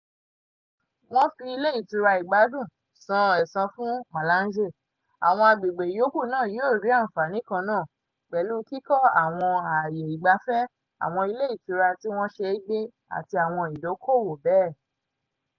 Wọ́n fi ilé ìtura ìgbádùn "san ẹ̀san" fún Malanje, àwọn agbègbè yòókù náà yóò rí àǹfààní kannáà, pẹ̀lú kíkọ́ àwọn ààyè ìgbafẹ́, àwọn ilé ìtura tí wọ́n ṣeé gbé, àti àwọn ìdókowò bẹ́ẹ̀.